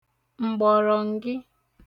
m̀gbọ̀rọ̀ǹgị